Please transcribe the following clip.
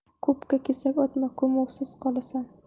ko'pga kesak otma ko'muvsiz qolasan